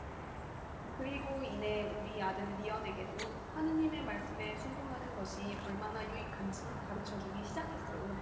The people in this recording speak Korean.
그리고 이내 우리 아들 리언에게도 하느님의 말씀에 순종하는 것이 얼마나 유익한지 가르쳐 주기 시작했어요